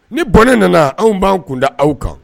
Ni bɔnnen nana anw b'an kunda aw kan